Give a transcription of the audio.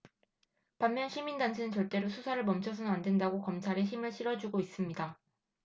반면 시민단체는 절대로 수사를 멈춰서는 안 된다고 검찰에 힘을 실어주고 있습니다